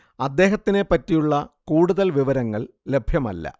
അദ്ദേഹത്തിനെ പറ്റിയുള്ള കൂടുതൽ വിവരങ്ങൾ ലഭ്യമല്ല